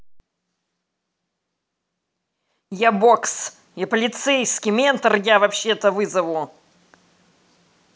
я бокс я полицейский ментор я вообще то вызову